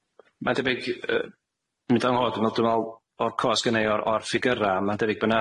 Ma'n debyg yy nid on' o dwi me'wl dwi me'wl o'r co s'gynnai o'r o'r ffigyra' ma'n debyg bo' 'na